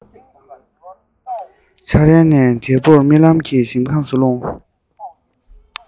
འཆར ཡན ནས དལ བུར རྨི ལམ གྱི ཞིང ཁམས སུ ལྷུང